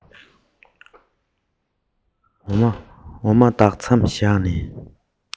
འོ མ ལྡག མཚམས བཞག ནས